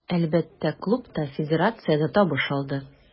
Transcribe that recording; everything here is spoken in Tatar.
Әлбәттә, клуб та, федерация дә табыш алды.